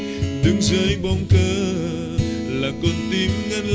đứng dưới bóng cờ